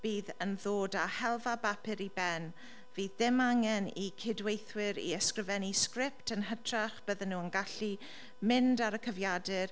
Bydd yn ddod â helfa bapur i ben. Fydd dim angen i cydweithwyr i ysgrifennu sgript yn hytrach byddan nhw'n gallu mynd ar y cyfrifiadur.